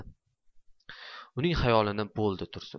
uning xayolini bo'ldi tursun